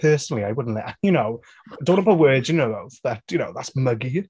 Personally I wouldn't let... you know? Don't have a word, you know of but you know that's muggy.